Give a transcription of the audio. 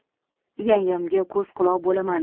yangamga ko'z quloq bolaman